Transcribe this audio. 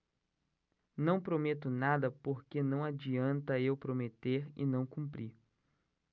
não prometo nada porque não adianta eu prometer e não cumprir